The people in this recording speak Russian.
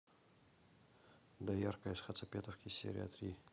доярка из хацапетовки серия три